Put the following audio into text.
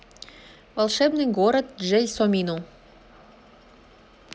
волшебный город джельсомино